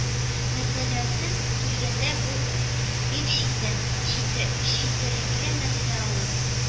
Мәсьәләсен килгәндә, бу бик читен, четерекле мәсьәлә,